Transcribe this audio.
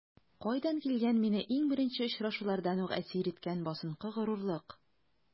Кайдан килгән мине иң беренче очрашулардан үк әсир иткән басынкы горурлык?